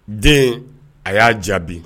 Den a y'a jaabi